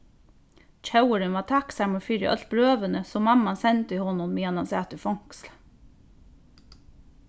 tjóvurin var takksamur fyri øll brøvini sum mamman sendi honum meðan hann sat í fongsli